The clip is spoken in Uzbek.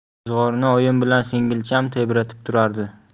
ro'zg'orini oyim bilan singilcham tebratib turardi